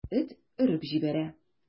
Эт өреп җибәрә.